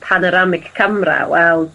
paneramic camera wel t'od...